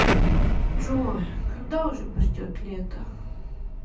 джой когда уже придет лето